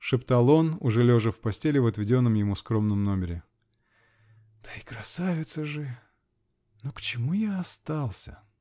-- шептал он, уже лежа в постели в отведенном ему скромном номере. -- Да и красавица же! Но к чему я остался?